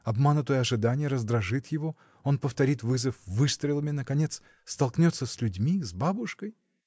Обманутое ожидание раздражит его, он повторит вызов выстрелами, наконец, столкнется с людьми, с бабушкой!.